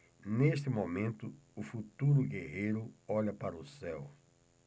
neste momento o futuro guerreiro olha para o céu